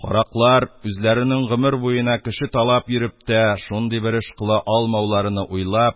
Караклар, үзләренең гомер буена кеше талап йөреп тә, шундый бер эш кыла алмауларыны уйлап,